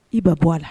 I ba bɔ a la